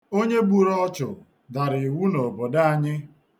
Onye gburu ọchụ dara iwu n'obodo anyị.